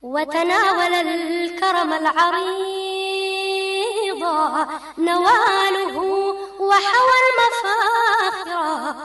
Wat delikɔrɔ bɔ naamubugu wa bɛ sa